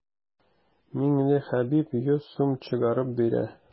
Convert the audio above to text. Миңлехәбиб йөз сум чыгарып бирә.